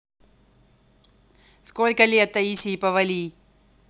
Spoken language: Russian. сколько лет таисии повалий